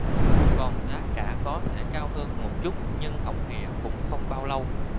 còn giá cả có thể cao hơn một chút nhưng học hè cũng không bao lâu